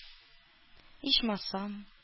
Ичмасам